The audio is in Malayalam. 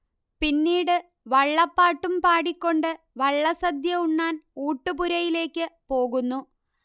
പിന്നീട് വള്ളപ്പാട്ടും പാടി ക്കൊണ്ട് വള്ളസദ്യ ഉണ്ണാൻ ഊട്ടുപുരയിലേയ്ക്ക് പോകുന്നു